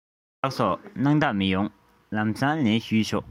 ལགས སོ སྣང དག མི ཡོང ལམ སེང ལན ཞུས ཆོག